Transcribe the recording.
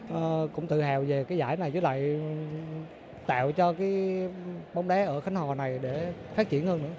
ơ cũng tự hào về cái giải này với lại tạo cho ký bóng đá ở khánh hòa này để phát triển hơn nữa